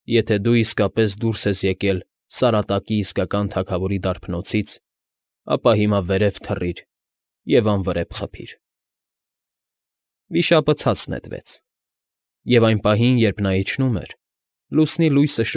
Եթե դու իսկապես դուրս ես եկել Սարատակի իսկական թագավորի դարբնոցից, ապա հիմա վերև թռիր և անվրեպ խփիր… Վիշապը ցած նետվեց, և այն պահին, երբ նա իջնում էր, լուսնի լույսը։